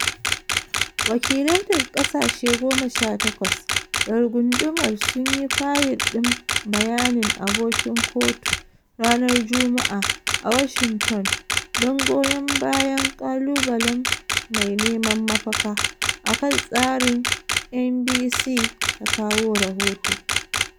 Wakilai daga kasashe 18 da gundumar sun yi fayil din bayanin abokin kotu ranar Juma’a, a Washington dan goyon bayan kalubalen mai neman mafaka akan tsarin, NBC ta kawo rahoto.